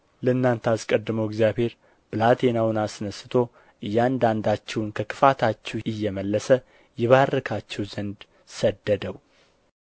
ለእናንተ አስቀድሞ እግዚአብሔር ብላቴናውን አስነሥቶ እያንዳንዳችሁን ከክፋታችሁ እየመለሰ ይባርካችሁ ዘንድ ሰደደው